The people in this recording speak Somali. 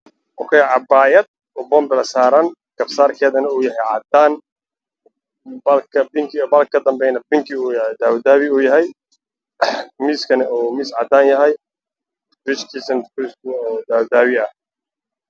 Waa boonbalo midabkiisu waa madow waxa suran mari